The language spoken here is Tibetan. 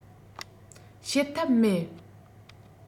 བྱེད ཐབས མེད